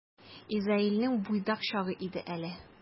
Изаилнең буйдак чагы иде әле.